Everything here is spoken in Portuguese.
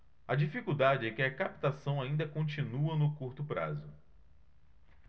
a dificuldade é que a captação ainda continua no curto prazo